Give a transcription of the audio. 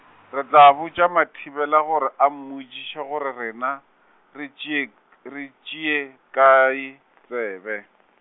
re tla botša Mathibela gore a mmotšiše gore rena, re tšee k-, re tšee, kae, tsebe.